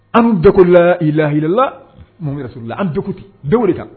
An dakolayilahila mun yɛrɛla an dɔw kan